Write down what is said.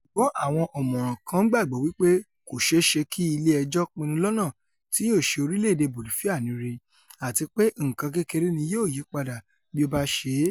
Ṣùgbọ́n àwọn ọ̀mọràn kan gbàgbọ́ wí pé kòṣeé ṣe kí ilé ẹjọ́ pinnu lọ́nà ti yóò ṣe orílẹ̀-èdè Bolifia ní rere - àtipé nǹkan kékeré ni yóò yípadà bí ó bá ṣée.